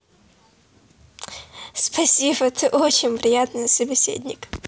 спасибо ты очень приятный собеседник